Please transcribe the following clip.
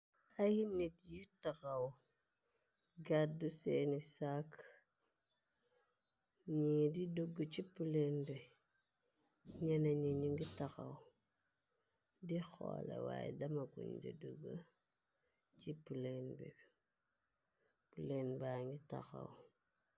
Ay nit yu taxaw gàddu seeni sàkk ni di dugg ci pileen be ñena ña ñu ngi taxaw di xoolewaay dama guñ di dugg ci pileen ba ngi taxaw.